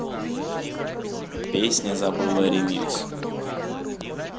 песня забыла ремикс